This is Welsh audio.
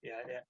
Ie ie.